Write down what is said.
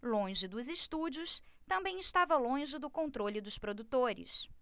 longe dos estúdios também estava longe do controle dos produtores